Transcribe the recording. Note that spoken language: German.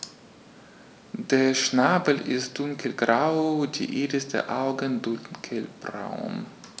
Der Schnabel ist dunkelgrau, die Iris der Augen dunkelbraun.